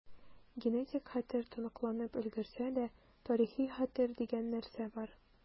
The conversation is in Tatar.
Генетик хәтер тоныкланып өлгерсә дә, тарихи хәтер дигән нәрсә бар.